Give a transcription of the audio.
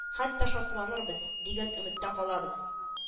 Хәтта шатланырбыз, дигән өметтә калабыз